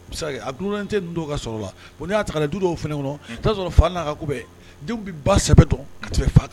Gin tɛ don ka la y' du o kɔnɔ sɔrɔ fa n'a ka ku bɛ babɛ a fa kan